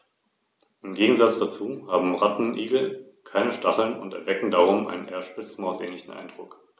Einfacher zu betrachten ist die üppige Vegetation.